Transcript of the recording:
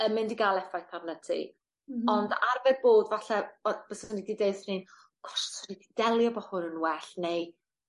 yn mynd i ga'l effaith arnat ti. M-hm. Ond arfer bod falle by- bysan i 'di deu 'th 'yn 'un gosh os o'n i 'di delio efo hwn yn well neu